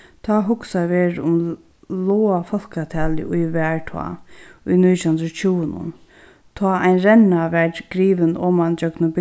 tá hugsað verður um lága fólkatalið ið var tá í nítjanhundraðogtjúgunum tá ein renna varð grivin oman gjøgnum